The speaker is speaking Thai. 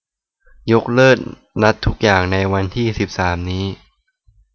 ยกเลิกนัดทุกอย่างในวันที่สิบสามนี้